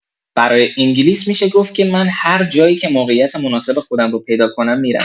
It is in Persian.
برای انگلیس می‌شه گفت که من هر جایی که موقعیت مناسب خودم رو پیدا کنم می‌رم.